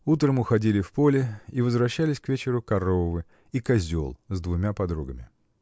Утром уходили в поле и возвращались к вечеру коровы и козел с двумя подругами.